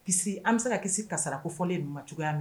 Kisi an bɛ se ka kisi kara ko fɔlen ma cogoyaya min